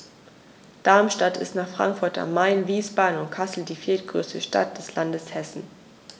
Darmstadt ist nach Frankfurt am Main, Wiesbaden und Kassel die viertgrößte Stadt des Landes Hessen